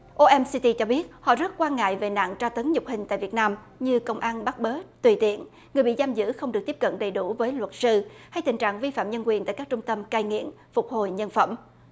ô em si ty cho biết họ rất quan ngại về nạn tra tấn nhục hình tại việt nam như công an bắt bớ tùy tiện người bị giam giữ không được tiếp cận đầy đủ với luật sư hay tình trạng vi phạm nhân quyền tại các trung tâm cai nghiện phục hồi nhân phẩm